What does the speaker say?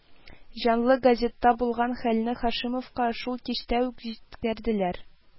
Җанлы газетта булган хәлне Һашимовка шул кичтә үк җиткерделәр